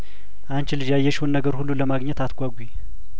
የሰርጉ አንቺ ልጅ ያየሽውን ነገር ሁሉ ለማግኘት አትጓጉ ወጥ ኩችም ተደርጐ ነው የተሰራው